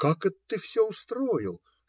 Как это ты все устроил!